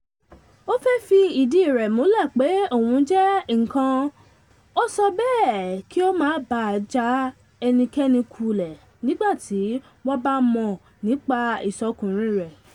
Ó fẹ́ fi ìdí rẹ̀ múlẹ̀ pé òun jẹ́ “ǹkan” ó sọ bẹ́ẹ̀, kí ó má ba à já ẹnikẹ́ni kulẹ nígbàtí wọ́n bá mọ̀ nípa ìṣọ̀kùnrin rẹ̀.